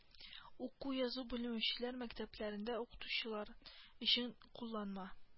Уку-язу белмәүчеләр мәктәпләрендә укытучылар өчен кулланма